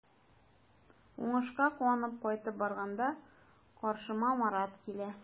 Уңышка куанып кайтып барганда каршыма Марат килә.